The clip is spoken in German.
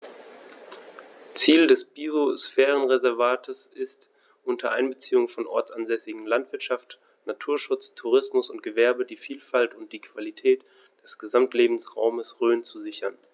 Ziel dieses Biosphärenreservates ist, unter Einbeziehung von ortsansässiger Landwirtschaft, Naturschutz, Tourismus und Gewerbe die Vielfalt und die Qualität des Gesamtlebensraumes Rhön zu sichern.